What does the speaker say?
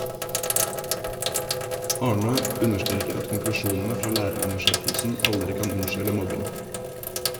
Arnø understreker at konklusjonene fra lærerundersøkelsen aldri kan unnskylde mobbing.